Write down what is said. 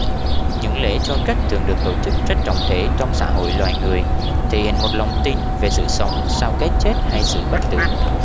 những lễ chôn cất thường được tổ chức rất trọng thể trong xã hội loài người thể hiện một lòng tin về sự sống sau cái chết hay sự bất tử